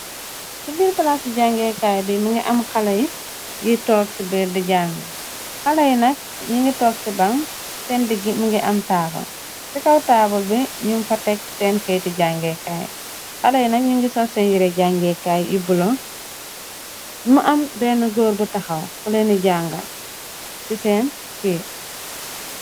Si biir palaas ci jangeekaay bi, mi ngi am xale yi toog ci biir di jange, xalé yi nak ñi ngi toog ci baŋ, seen diggi mi nga am taabal, ci kaw taabal bi, ñum fa teg seen keyiti jangeekaay, xale yi nak ñu ngi sol seen yire jangeekaay yu bulo, mu am benne góor bu taxaw, kuleeni janga ci seen biir.